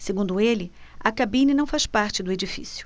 segundo ele a cabine não faz parte do edifício